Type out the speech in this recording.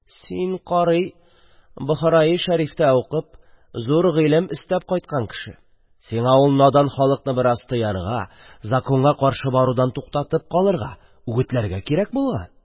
– син, карый, бохараи шәрифтә укып, зур гыйлем эстәп кайткан кеше, сиңа ул надан халыкны бераз тыярга, законга каршы барудан туктатып калырга, үгетләргә кирәк булган.